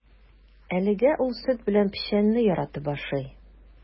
Әлегә ул сөт белән печәнне яратып ашый.